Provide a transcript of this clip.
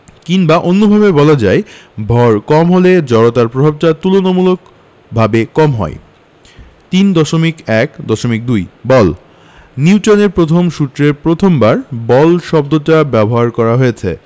কিংবা অন্যভাবে বলা যায় ভর কম হলে জড়তার প্রভাবটা তুলনামূলকভাবে কম হয় 3.1.2 বল নিউটনের প্রথম সূত্রে প্রথমবার বল শব্দটা ব্যবহার করা হয়েছে